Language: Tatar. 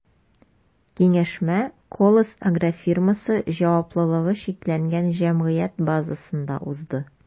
Киңәшмә “Колос” агрофирмасы” ҖЧҖ базасында узды.